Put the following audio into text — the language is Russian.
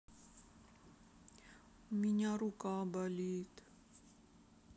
у меня рука болит